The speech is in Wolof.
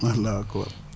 alaahu akabar